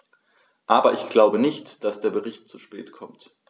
Aber ich glaube nicht, dass der Bericht zu spät kommt.